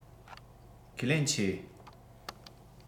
ཁས ལེན ཆེ